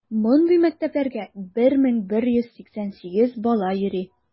Мондый мәктәпләргә 1188 бала йөри.